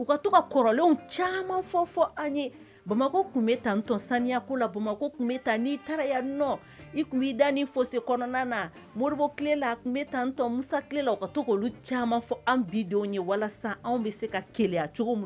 U ka to ka kɔrɔlen caman fɔ fɔ an ye bamakɔ tun bɛ taa tɔ saniyako la bamakɔ tun bɛ taa n'i taaraya n nɔ i tun b'i da ni fo se kɔnɔna na moriɔribɔ tilelela tun bɛ taa tɔ musalela ka to k' olu caman fɔ an bidenw ye walasa an bɛ se ka keya cogo min